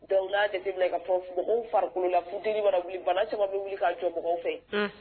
Donc n y'a jate ka fɔ, mɔgɔw farikolo la funtɛni mana wili bana caaman bɛ wili k'a jɔ mɔgɔw fɛ. Un.